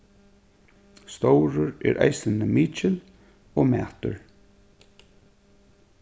stórur er eisini mikil og mætur